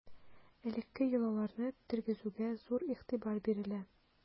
Элекке йолаларны тергезүгә зур игътибар бирелә.